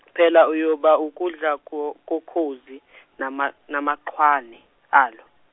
phela uyoba ukudla ko- kokhozi nama- namachwane alo.